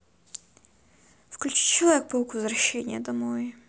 включи человек паук возвращение домой